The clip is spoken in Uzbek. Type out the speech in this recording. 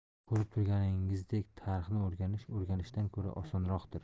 ko'rib turganingizdek tarixni o'rganish o'rganishdan ko'ra osonroqdir